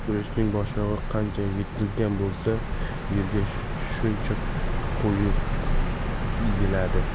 guruchning boshog'i qancha yetilgan bo'lsa yerga shuncha quyi egiladi